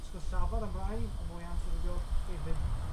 Sgwrs llafar ymlaen yn mwy anffurfiol hefyd